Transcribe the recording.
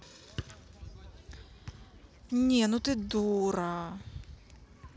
не ну ты дура